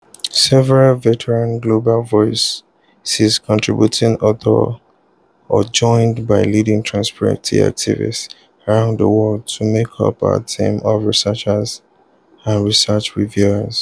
Several veteran Global Voices contributing authors are joined by leading transparency activists around the world to make up our team of researchers and research reviewers.